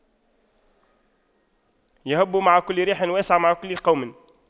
يَهُبُّ مع كل ريح ويسعى مع كل قوم